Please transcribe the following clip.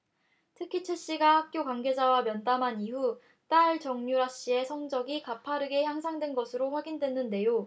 특히 최 씨가 학교 관계자와 면담한 이후 딸 정유라 씨의 성적이 가파르게 향상된 것으로 확인됐는데요